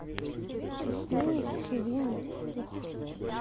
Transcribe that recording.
диснеевский винни пух